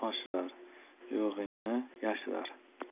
oshirar yo'g'ingni yashirar